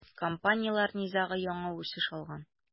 Компанияләр низагы яңа үсеш алган.